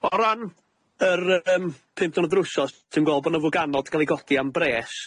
O ran yr y yym pump dwrnod yr wsos, dwi'n gweld bo' 'na fwganod 'n ga'l 'i godi am bres.